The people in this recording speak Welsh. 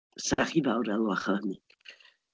'Sech chi fawr elwach o hynny.